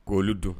Ko' don